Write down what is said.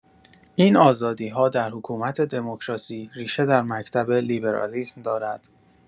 این آزادی‌ها در حکومت دموکراسی ریشه در مکتب لیبرالیسم دارد.